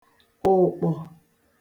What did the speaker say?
ụ̀kpọ̀